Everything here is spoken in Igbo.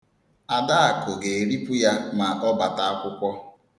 Adakụ ga-eripụ ya ma ọ bata akwụkwọ.